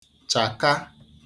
chàka